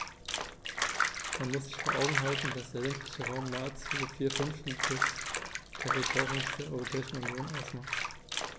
Man muss sich vor Augen halten, dass der ländliche Raum nahezu vier Fünftel des Territoriums der Europäischen Union ausmacht.